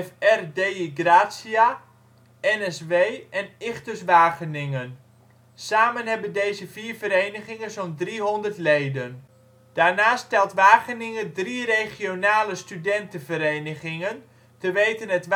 Gratia, NSW en Ichthus Wageningen. Samen hebben deze vier verenigingen zo 'n 300 leden. Daarnaast telt Wagenigen drie regionale studentenverenigingen, te weten het